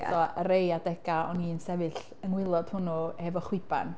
So ar rai adegau o'n i'n sefyll yng ngwaelod hwnnw efo chwiban.